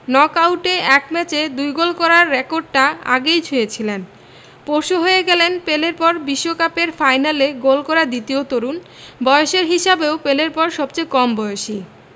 নকআউটে এক ম্যাচে ২ গোল করার রেকর্ডটা আগেই ছুঁয়েছিলেন পরশু হয়ে গেলেন পেলের পর বিশ্বকাপের ফাইনালে গোল করা দ্বিতীয় তরুণ বয়সের হিসাবেও পেলের পর সবচেয়ে কম বয়সী